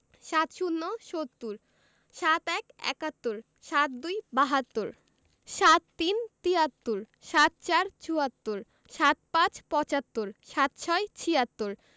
৭০ - সত্তর ৭১ – একাত্তর ৭২ – বাহাত্তর ৭৩ – তিয়াত্তর ৭৪ – চুয়াত্তর ৭৫ – পঁচাত্তর ৭৬ - ছিয়াত্তর